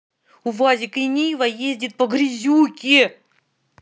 увазик и нива ездит по грязюке